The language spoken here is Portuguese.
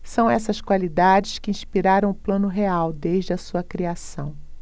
são essas qualidades que inspiraram o plano real desde a sua criação